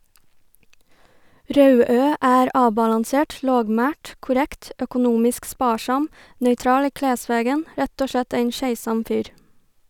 Rauø er avbalansert, lågmælt, korrekt, økonomisk sparsam, nøytral i klesvegen rett og slett ein keisam fyr.